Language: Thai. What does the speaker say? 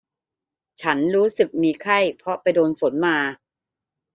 ฉันรู้สึกมีไข้เพราะไปโดนฝนมา